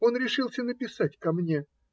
Он решился написать ко мне.